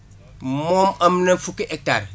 moom am na fukki hectares yi